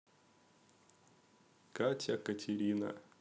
катя катерина